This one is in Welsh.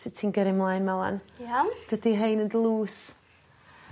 Sut ti'n gyrru mlaen 'ma 'wan? Iawn. Dydi rheon yn dlws?